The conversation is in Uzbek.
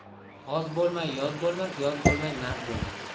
oz bo'lmay yoz bo'lmas yoz bo'lmay maz bo'lmas